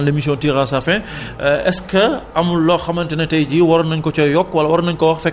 Yakhya Seuye defe naa ni li tubaab di wax naan l' émission tire à sa fin